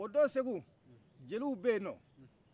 o don segu jeliw be yen nɔ